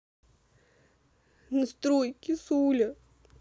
настрой кисуля